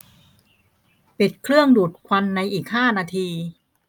ปิดเครื่องดูดควันในอีกห้านาที